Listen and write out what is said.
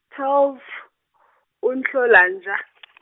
twelve uNhlolanja .